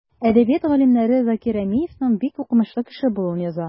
Әдәбият галимнәре Закир Рәмиевнең бик укымышлы кеше булуын яза.